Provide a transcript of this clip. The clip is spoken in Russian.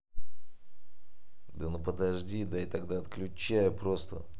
да ну подожди дай тогда отключаю просто